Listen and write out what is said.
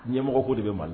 Ɲɛmɔgɔ ko de bɛ mali